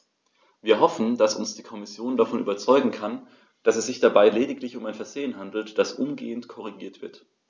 Wir hoffen, dass uns die Kommission davon überzeugen kann, dass es sich dabei lediglich um ein Versehen handelt, das umgehend korrigiert wird.